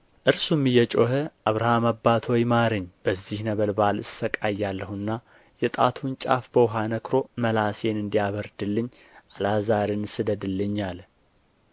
እርሱም እየጮኸ አብርሃም አባት ሆይ ማረኝ በዚህ ነበልባል እሣቀያለሁና የጣቱን ጫፍ በውኃ ነክሮ መላሴን እንዲያበርድልኝ አልዓዛርን ስደድልኝ አለ